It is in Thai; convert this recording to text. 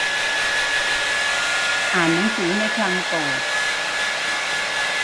อ่านหนังสือในคลังโปรด